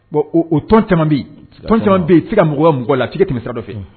Bon o o tɔn caman bɛ ye tɔn caman bɛ ye i ti se ka mag'u ka mɔgɔw la f'i ka tɛmɛ sira dɔ fɛ unhun